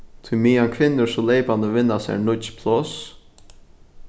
tí meðan kvinnur so leypandi vinna sær nýggj pláss